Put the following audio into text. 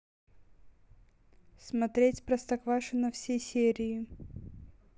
смотреть простоквашино все серии